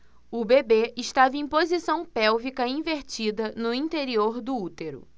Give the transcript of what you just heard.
o bebê estava em posição pélvica invertida no interior do útero